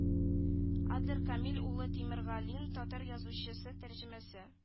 Адлер камил улы тимергалин татар язучысы тәрҗемәче